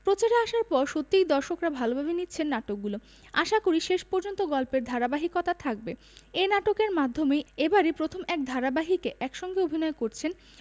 প্রচারে আসার পর সত্যিই দর্শকরা ভালোভাবে নিচ্ছেন নাটকগুলো আশাকরি শেষ পর্যন্ত গল্পের ধারাবাহিকতা থাকবে এ নাটকের মাধ্যমেই এবারই প্রথম এক ধারাবাহিকে একসঙ্গে অভিনয় করছেন